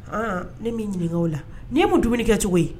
An, ne m'i ɲininka o la, n'i ye mun dumunikɛcogo ye